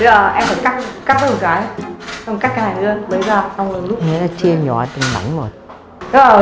thế à em phải cắt mất một cái sau đó cắt cái này rồi mới lấy ra thế là phải chia nhỏ ra từng mảnh một